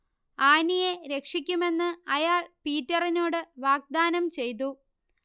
ആനിയെ രക്ഷിക്കുമെന്ന് അയാൾ പീറ്ററിനോട് വാഗ്ദാനം ചെയ്തു